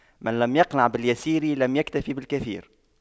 من لم يقنع باليسير لم يكتف بالكثير